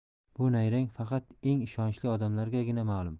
bu nayrang faqat eng ishonchli odamlargagina ma'lum